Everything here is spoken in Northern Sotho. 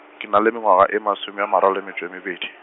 ke na le mengwaga e masome a mararo le metšo e mebedi.